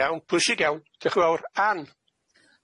Iawn pwysig iawn. Diolch yn fowr. Ann.